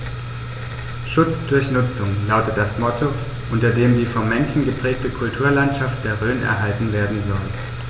„Schutz durch Nutzung“ lautet das Motto, unter dem die vom Menschen geprägte Kulturlandschaft der Rhön erhalten werden soll.